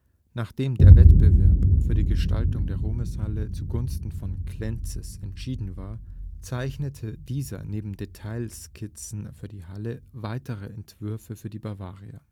Nachdem der Wettbewerb für die Gestaltung der Ruhmeshalle zu Gunsten v. Klenzes entschieden war, zeichnete dieser neben Detailskizzen für die Halle weitere Entwürfe für die Bavaria